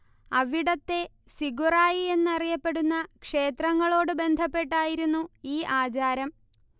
അവിടത്തെ സിഗുറായി എന്നറിയപ്പെടുന്ന ക്ഷേത്രങ്ങളോട് ബന്ധപ്പെട്ടായിരുന്നു ഈ ആചാരം